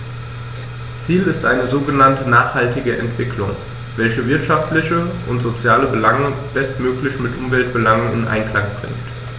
Ziel ist eine sogenannte nachhaltige Entwicklung, welche wirtschaftliche und soziale Belange bestmöglich mit Umweltbelangen in Einklang bringt.